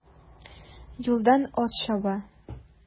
Юлдан ат чаба.